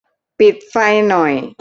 ปิดไฟหน่อย